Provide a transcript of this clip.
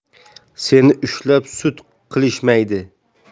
seni ushlab sud qilishmaydi